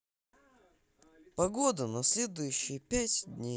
погода на следующие пять дней